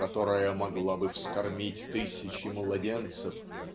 которая могла бы вскормить тысячи младенцев